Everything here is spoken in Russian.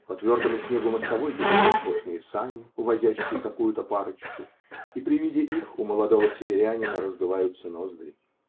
По твердому снегу мостовой бегут роскошные сани, увозящие какую-то парочку, и при виде их у молодого северянина раздуваются ноздри.